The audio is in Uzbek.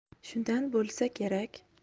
shundan bo'lsa kerak